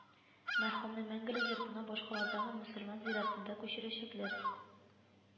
Мәрхүмне мәңгелек йортына башкаладагы Мөселман зиратында күчерәчәкләр